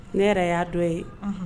Ne yɛrɛ y'a dɔ ye